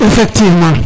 effectivement